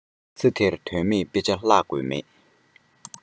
ཚེ འདིར དོན མེད དཔེ ཆ བཀླག དགོས མེད